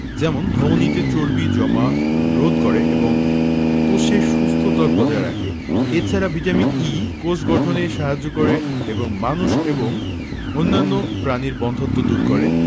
যেটি ধমনিতে চর্বি জমা রোধ করে এবং কোষের সুস্থ ত্বক বজায় রাখে এ ছাড়া ভিটামিন E কোষ গঠনে সাহায্য করে এবং মানুষ এবং অন্যান্য প্রাণীর বন্ধ্যাত্ব দূর করে